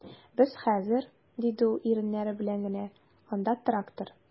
Без хәзер, - диде ул иреннәре белән генә, - анда трактор...